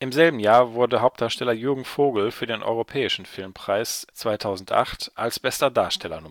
Im selben Jahr wurde Hauptdarsteller Jürgen Vogel für den Europäischen Filmpreis 2008 als Bester Darsteller